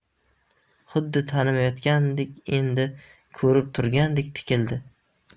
xuddi tanimayotganday endi ko'rib turganday tikildi